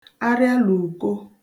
arialùko